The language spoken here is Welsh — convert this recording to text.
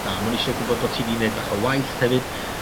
na ma' n'w isio gwbo bo' ti 'di neud bach o waith hefyd